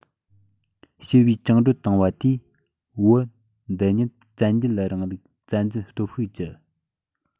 ཞི བའི བཅིངས འགྲོལ བཏང བ དེས བོད འདི ཉིད བཙན རྒྱལ རིང ལུགས བཙན འཛུལ སྟོབས ཤུགས ཀྱི